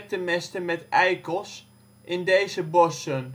vetmesten met eikels) in deze bossen.